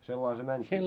sillä lailla se menikin